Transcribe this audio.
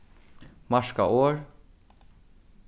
marka orð